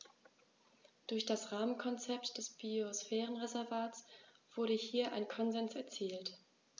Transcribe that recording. Durch das Rahmenkonzept des Biosphärenreservates wurde hier ein Konsens erzielt.